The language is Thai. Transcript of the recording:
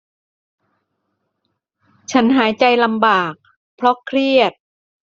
ฉันหายใจลำบากเพราะเครียด